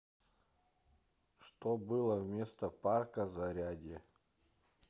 что было вместо парка зарядье